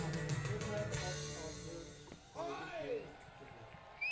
ot olti oylik yo'lni izlar